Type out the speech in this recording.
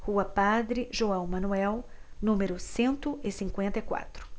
rua padre joão manuel número cento e cinquenta e quatro